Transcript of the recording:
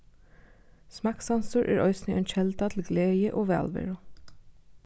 smakksansur er eisini ein kelda til gleði og vælveru